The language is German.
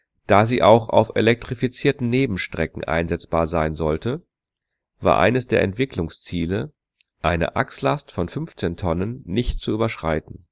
Da sie auch auf elektrifizierten Nebenstrecken einsetzbar sein sollte, war eines der Entwicklungsziele, eine Achslast von 15 Tonnen nicht zu überschreiten